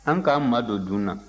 an k'an madon dun na